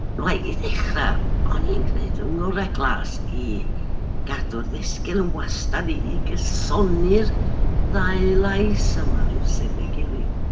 Wel, i ddechrau, o'n i'n gwneud ngorau glas i gadw'r ddysgl yn wastad i i gysoni'r ddau lais yma rywsut neu gilydd.